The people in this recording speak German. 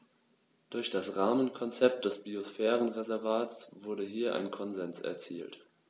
Durch das Rahmenkonzept des Biosphärenreservates wurde hier ein Konsens erzielt.